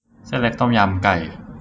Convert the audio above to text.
เส้นเล็กต้มยำไก่